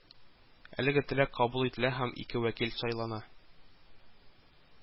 Әлеге теләк кабул ителә һәм ике вәкил сайлана